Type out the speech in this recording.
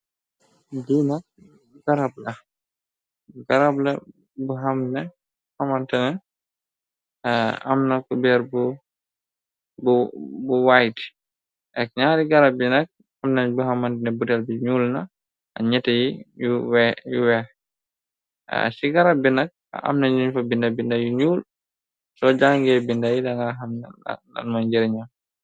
Bi nak garab la garab la bu xamna, xamantene am na ku beer bu white ak nyaari garab bi nag amna bu xamantne burel bi ñuul na ak ñyette yi yu yu weex ci garab bi nak amna ñyuñ fa binda binda yu ñuul sor jàngee binda yi daga xamneh lan mo njari ñam.